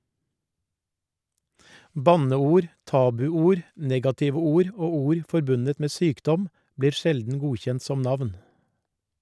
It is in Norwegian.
Banneord, tabuord, negative ord og ord forbundet med sykdom blir sjelden godkjent som navn.